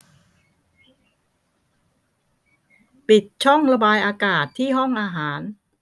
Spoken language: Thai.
ปิดช่องระบายอากาศที่ห้องอาหาร